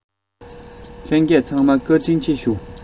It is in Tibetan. ལྷན རྒྱས ཚང མ བཀའ དྲིན ཆེ ཞུ